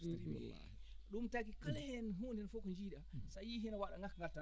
ɗum taki kala heen huunde fof ko njiiɗa so a yiyii hene waɗa ŋat ŋat tan